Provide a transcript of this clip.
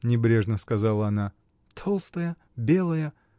— небрежно сказала она, — толстая, белая!